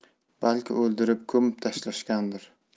balki o'ldirib ko'mib tashlashgandir